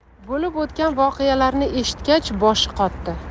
bo'lib o'tgan voqealarni eshitgach boshi qotdi